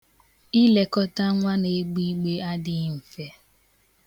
Ilekọta nwa na-egbe igbe adịghị mfe.